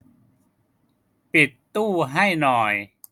ปิดตู้ให้หน่อย